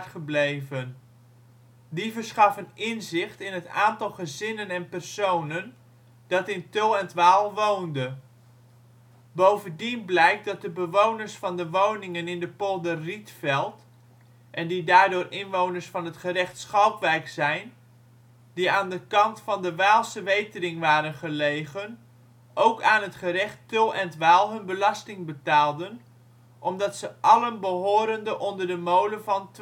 gebleven. Die verschaffen inzicht in het aantal gezinnen en personen dat in Tull en ' t Waal woonde. Bovendien blijkt dat de bewoners van de woningen in de polder Rietveld (en die daardoor inwoners van het gerecht Schalkwijk zijn) die aan kant van de Waalse wetering waren gelegen ook aan het gerecht Tull en ' t Waal hun belasting betaalden omdat ze " alle behorende onder de molen van